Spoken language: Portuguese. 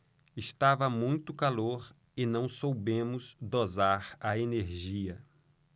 estava muito calor e não soubemos dosar a energia